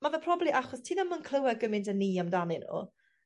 Ma' fe proba'ly achos ti ddim yn clywed gymint â ni amdanyn n'w.